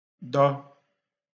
dọ